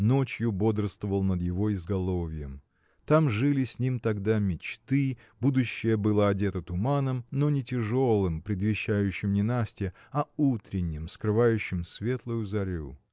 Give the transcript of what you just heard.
ночью бодрствовал над его изголовьем. Там жили с ним тогда мечты будущее было одето туманом но не тяжелым предвещающим ненастье а утренним скрывающим светлую зарю.